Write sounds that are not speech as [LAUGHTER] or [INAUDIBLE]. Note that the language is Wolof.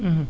[HESITATION] [HESITATION]